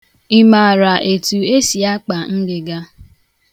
Ị maara etu esi akpa ngịga?